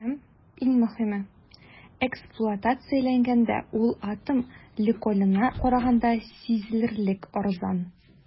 Һәм, иң мөһиме, эксплуатацияләгәндә ул атом ледоколына караганда сизелерлек арзан.